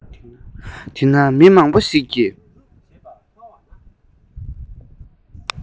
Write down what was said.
དེ ན མི མང པོ ཞིག གིས